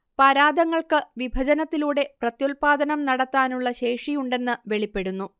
പരാദങ്ങൾക്ക് വിഭജനത്തിലൂടെ പ്രത്യുൽപാദനം നടത്താനുള്ള ശേഷിയുണ്ടെന്ന് വെളിപ്പെടുന്നു